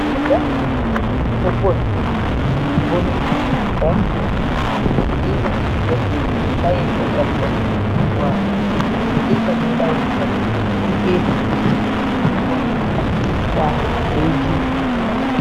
iñga ni ko bon bona yu em li nga di jel ndaye ko gerte waa li nga di daye gerte purgee ni lu boni at li baagi soy jiiw